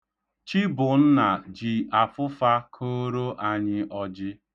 Chibụnna ji afụfa kooro anyị oji.